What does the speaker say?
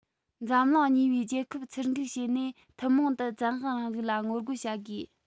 འཛམ གླིང གཉིས པའི རྒྱལ ཁབ ཚུར འགུགས བྱས ནས ཐུན མོང དུ བཙན དབང རིང ལུགས ལ ངོ རྒོལ བྱ དགོས